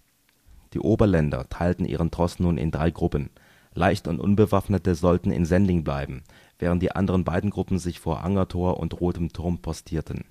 Die Oberländer teilten ihren Tross nun in drei Gruppen: Leicht - und Unbewaffnete sollten in Sendling bleiben, während die anderen beiden Gruppen sich vor Angertor und Rotem Turm postierten